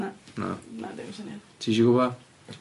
Na. Na. Na dim syniad. Ti isie gwbod?